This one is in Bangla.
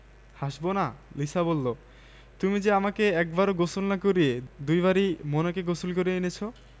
collected from intermediate Bangla Bengali Clinton B Seely